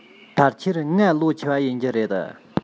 ཕལ ཆེར ང ལོ ཆེ བ ཡིན རྒྱུ རེད